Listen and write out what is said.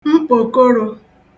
mkpòkorō